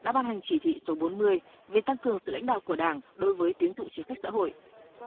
đã ban hành chỉ thị số bốn mươi về tăng cường sự lãnh đạo của đảng đối với tín dụng chính sách xã hội